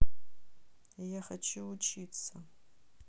я хочу учится